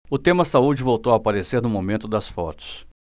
o tema saúde voltou a aparecer no momento das fotos